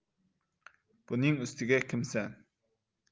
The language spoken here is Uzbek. buning ustiga kimsan